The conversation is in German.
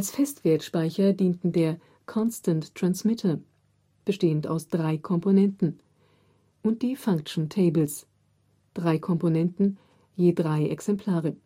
Festwertspeicher dienten der Constant Transmitter (bestehend aus drei Komponenten) und die Function Tables (drei Komponenten, je drei Exemplare